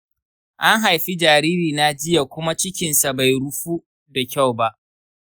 an haifi jariri na jiya kuma cikinsa bai rufu da kyau ba.